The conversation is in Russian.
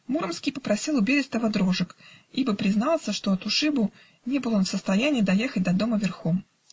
Муромский попросил у Берестова дрожек, ибо признался, что от ушибу не был он в состоянии доехать до дома верхом.